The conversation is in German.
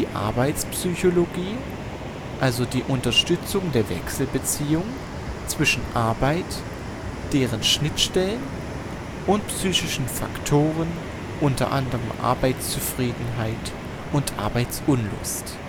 Arbeitspsychologie: Untersuchung der Wechselbeziehungen zwischen Arbeit, deren Schnittstellen und psychischen Faktoren (unter anderem Arbeitszufriedenheit und - unlust